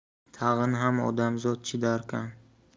tag'in ham odamzod chidarkan